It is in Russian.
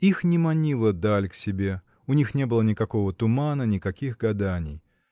Их не манила даль к себе; у них не было никакого тумана, никаких гаданий.